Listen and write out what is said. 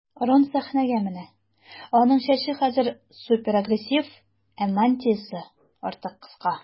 Рон сәхнәгә менә, аның чәче хәзер суперагрессив, ә мантиясе артык кыска.